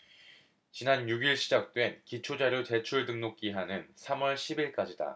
지난 육 일 시작된 기초자료 제출 등록 기한은 삼 월 십 일까지다